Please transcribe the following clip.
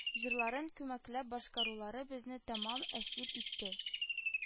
Җырларын күмәкләп башкарулары безне тәмам әсир итте,